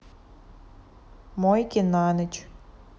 мойки на ночь